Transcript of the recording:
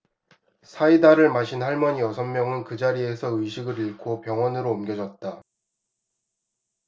사이다를 마신 할머니 여섯 명은 그 자리에서 의식을 잃고 병원으로 옮겨졌다